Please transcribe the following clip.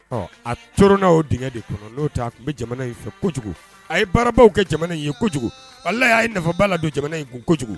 Ɔ a cr n' o denkɛ de kɔnɔ n'o ta a tun bɛ jamana in fɛ kojugu a ye barabagaw kɛ jamana in ye kojugu ala y'a nafaba la don jamana in kun kojugu